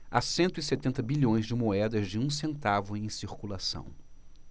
há cento e setenta bilhões de moedas de um centavo em circulação